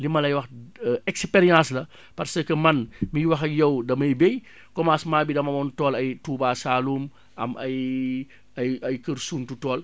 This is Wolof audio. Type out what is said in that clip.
li ma lay wax expérience la parce que man miy wax ak yow damay bay commencement bi dama amoon tool ay touba Saloum am ay ay ay Kër Sumtu tool